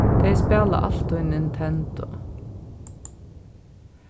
tey spæla altíð nintendo